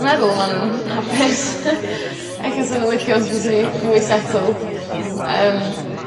Dwi'n meddwl ma' nw'n hapus ella sa n'w licio os byswn i mwy settled yym.